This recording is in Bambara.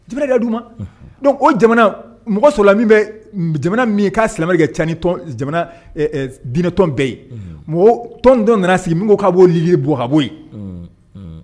Jamana ga d'u ma o jamana mɔgɔla min bɛ jamana min k'a silamɛri kɛ catɔn bɛɛ ye mɔgɔ tɔnon dɔ nana sigi min ko k' bɔo li bɔbo ye